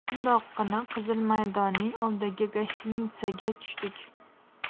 shundoqqina qizil maydonning oldidagi gastinisaga tushdik